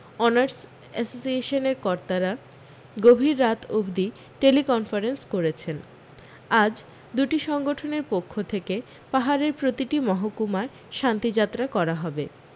honours অ্যাসোসিয়েশনের কর্তারা গভীর রাত অবধি টেলি কনফারেন্স করেছেন আজ দুটি সংগঠনের পক্ষ থেকে পাহাড়ের প্রতিটি মহকূমায় শান্তি যাত্রা করা হবে